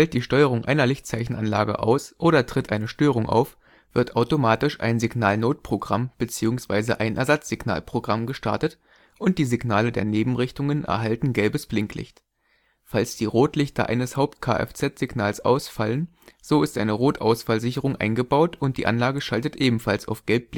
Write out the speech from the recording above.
die Steuerung einer Lichtzeichenanlage aus oder tritt eine Störung auf, wird automatisch ein Signalnotprogramm bzw. ein Ersatzsignalprogramm gestartet und die Signale der „ Nebenrichtungen “erhalten gelbes Blinklicht. Falls die Rotlichter eines Haupt-Kfz-Signals ausfallen, so ist eine Rotausfallsicherung eingebaut und die Anlage schaltet ebenfalls auf Gelb